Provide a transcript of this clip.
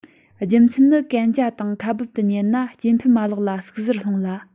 རྒྱུ མཚན ནི གན རྐྱལ དང ཁ སྦུབ ཏུ ཉལ ན སྐྱེ འཕེལ མ ལག ལ ཟུག གཟེར སློང སླ